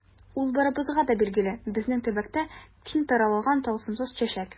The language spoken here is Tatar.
Ул барыбызга да билгеле, безнең төбәктә киң таралган талымсыз чәчәк.